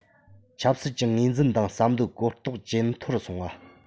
ཆབ སྲིད ཀྱི ངོས འཛིན དང བསམ བློའི གོ རྟོགས ཇེ མཐོར སོང བ